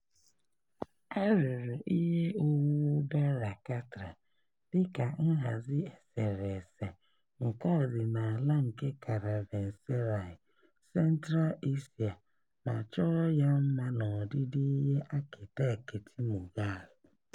A rụrụ ihe owuwu Bara Katra, dị ka nhazi eserese nke ọdịnala nke karavenseraị Central Asia ma chọọ ya mma n'ọdịdị ihe akịtekịtị Mughal.